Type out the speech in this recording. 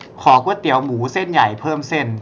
ขอก๋วยเตี๋ยวหมูเส้นใหญ่เพิ่มเส้น